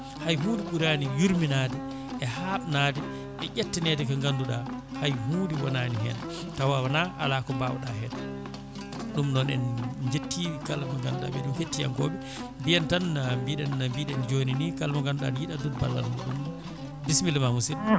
hay hunde ɓuurani yurminade e habnade e ƴettanede ko ganduɗa hay hunde wonani hen tawa wona ala ko mbawɗa hen ɗum noon en jetti kala mo ganduɗa ɓeeɗo ko hettiyankoɓe mbiyen tan mbiɗen no mbiɗen joni ni kala mo ganduɗa aɗa yiiɗi addude ballal muɗum bisimillama musidɗo